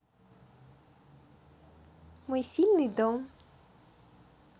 мой сильный дом